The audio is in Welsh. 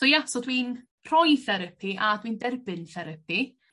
So ia so dwi'n rhoi therapi a dwi'n derbyn therapi.